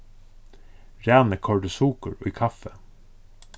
rani koyrdi sukur í kaffið